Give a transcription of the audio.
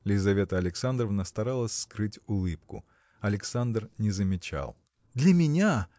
Лизавета Александровна старалась скрыть улыбку. Александр не замечал. – Для меня